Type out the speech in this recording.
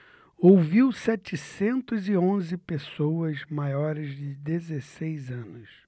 ouviu setecentos e onze pessoas maiores de dezesseis anos